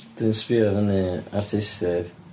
Dwi'n sbïo fyny artistiaid.